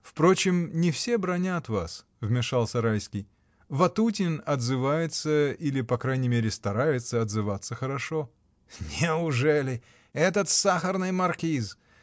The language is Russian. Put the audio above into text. — Впрочем, не все бранят вас, — вмешался Райский, — Ватутин отзывается или по крайней мере старается отзываться хорошо. — Неужели! Этот сахарный маркиз!